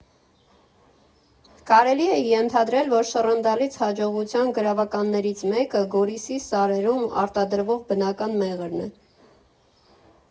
Կարելի է ենթադրել, որ շռնդալից հաջողության գրավականներից մեկը Գորիսի սարերում արտադրվող բնական մեղրն է։